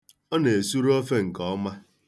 Ọ na-esuru ofe nke ọma.